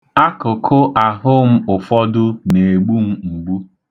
Akụkụ ahụ m ụfọdụ na-egbu m mgbu.